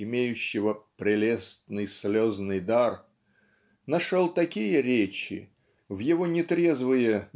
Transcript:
имеющего "прелестный слезный дар" нашел такие речи в его нетрезвые